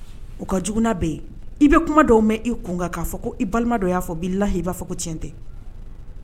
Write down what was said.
U ka jna bɛ yen i bɛ kuma dɔw mɛn i kunkan'a fɔ ko balimadɔ y'a' lahi i b'a fɔ ko cɛn tɛ